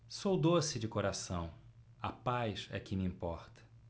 sou doce de coração a paz é que me importa